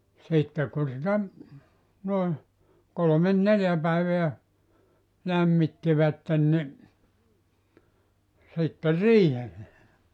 ja sitten kun sitä noin kolme neljä päivää lämmittivät niin sitten riihelle